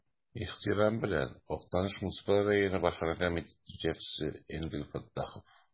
Ихтирам белән, Актаныш муниципаль районы Башкарма комитеты җитәкчесе Энгель Фәттахов.